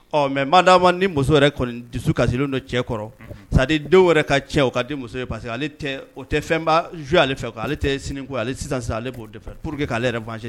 Ɔ mɛ ma daama ni muso yɛrɛ kɔni dusu kasilen don cɛ kɔrɔ, c'est à dire denw yɛrɛ ka tiɲɛn o ka di muso ye par ce que ale o tɛ fɛnba jouer ale fɛ, ale tɛ siniko ye, sisan sisan nɔn, ale b'o fɛ pour que k'ale ɲɛrɛ venger